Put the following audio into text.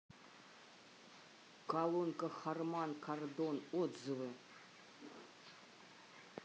колонка харман кардон отзывы